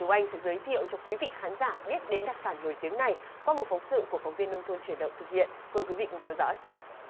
tú anh sẽ giới thiệu cho quý vị khán giả biết đến đặc sản nổi tiếng này qua một phóng sự của phóng viên nông thôn chuyển động thực hiện với quý vị cùng theo dõi